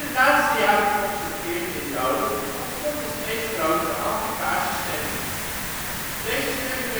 laatste jaar van Koks regeerperiode ontstond een steeds grotere anti-paarse stemming. Deze stemming